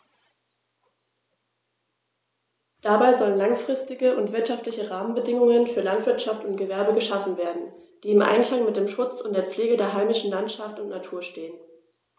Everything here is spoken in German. Dabei sollen langfristige und wirtschaftliche Rahmenbedingungen für Landwirtschaft und Gewerbe geschaffen werden, die im Einklang mit dem Schutz und der Pflege der heimischen Landschaft und Natur stehen.